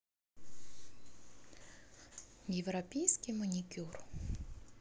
европейский маникюр